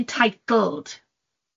Entitled.